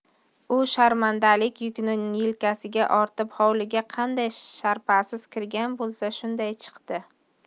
u sharmandalik yukini yelkasiga ortib hovliga qanday sharpasiz kirgan bo'lsa shunday chiqdi